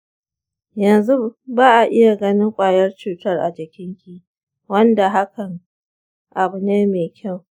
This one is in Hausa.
yanzu ba'a iya ganin ƙwayan cutan a jininki, wanda hakan abu ne mai kyau.